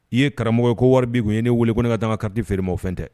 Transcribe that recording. I ye karamɔgɔ ko wari bi ye ne wele ko ne ka taama kadi feereeremafɛn tɛ